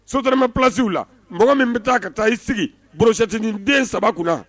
Sotrama plasiw la mɔgɔ min bɛ taa ka taa ii sigi bolictinin den saba kunna